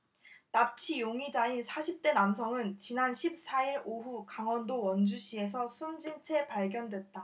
납치 용의자인 사십 대 남성은 지난 십 사 일 오후 강원도 원주시에서 숨진채 발견됐다